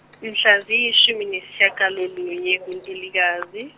mhla ziyishumi nesishiyagalolunye kuNtulikazi.